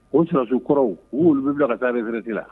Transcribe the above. O sɔrɔdasiw kɔrɔw u y'olu bɛɛ bila ka taa retraite la